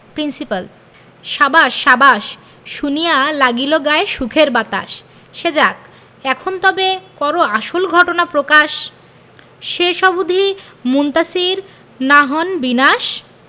principal সাবাস সাবাস শুনিয়া লাগিল গায়ে সুখের বাতাস সে যাক এখন তবে করো আসল ঘটনা প্রকাশ শেষ অবধি মুনতাসীর না হন বিনাশ